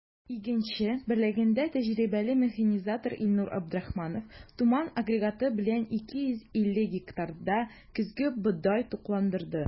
“игенче” берлегендә тәҗрибәле механизатор илнур абдрахманов “туман” агрегаты белән 250 гектарда көзге бодай тукландырды.